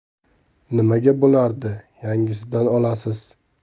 nimaga bo'lardi yangisidan olasiz